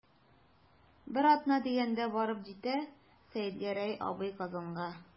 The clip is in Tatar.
Бер атна дигәндә барып җитә Сәетгәрәй абый Казанга.